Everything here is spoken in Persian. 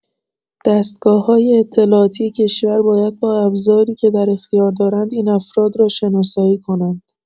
دستگاه‌های اطلاعاتی کشور باید با ابزاری که در اختیار دارند این افراد را شناسایی کنند.